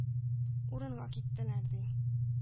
Урынга киттеләр, ди.